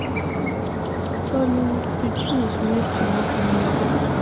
салют причина смерти mac miller